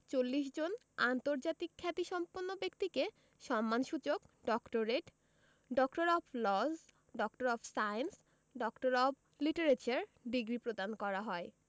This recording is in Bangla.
৪০ জন আন্তর্জাতিক খ্যাতিসম্পন্ন ব্যক্তিকে সম্মানসূচক doctorate doctor of laws doctor of science doctor of literature degree প্রদান করা হয়